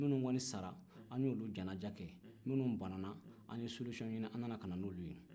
minnu kɔnin sara an y'olu janaja kɛ minnu banana an ye fɛɛrɛ ɲini an nana n'olu ye